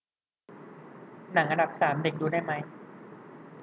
หนังอันดับสามเด็กดูได้ไหม